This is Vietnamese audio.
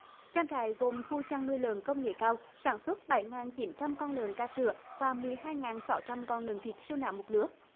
trang trại gồm khu chăn nuôi lợn công nghệ cao sản xuất bảy nghìn chín trăm con lợn cai sữa và mười hai nghìn sáu trăm con lợn thịt siêu nạc một lứa